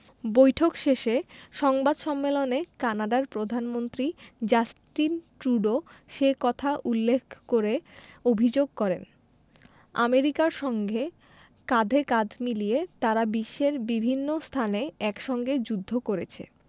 বৈঠক শেষে সংবাদ সম্মেলনে কানাডার প্রধানমন্ত্রী জাস্টিন ট্রুডো সে কথা উল্লেখ করে অভিযোগ করেন আমেরিকার সঙ্গে কাঁধে কাঁধ মিলিয়ে তারা বিশ্বের বিভিন্ন স্থানে একসঙ্গে যুদ্ধ করেছে